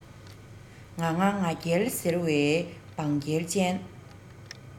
ང ང ང རྒྱལ ཟེར བའི བང རྒྱལ ཅན